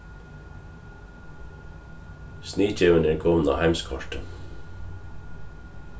sniðgevin er komin á heimskortið